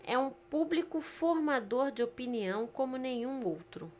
é um público formador de opinião como nenhum outro